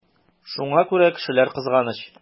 Шуңа күрә кешеләр кызганыч.